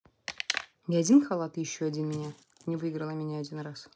я один халаты еще один меня не выиграла меня один раз